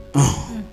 Un